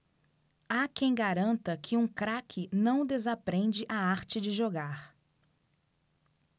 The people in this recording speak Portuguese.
há quem garanta que um craque não desaprende a arte de jogar